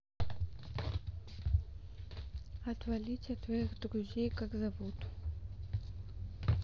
отвалить от твоих друзей как зовут